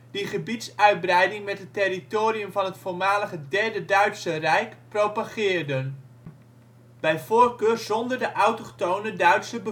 die gebiedsuitbreiding met het territorium van het voormalige Derde Duitse Rijk propageerden, bij voorkeur zonder de autochtone Duitse bevolking